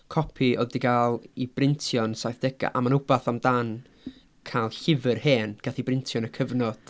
copi oedd 'di gael ei brintio'n y saithdegau a ma' 'na wbath amdan cael llyfr hen gaeth ei brintio'n y cyfnod...